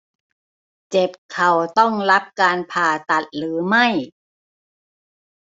เจ็บเข่าต้องรับการผ่าตัดหรือไม่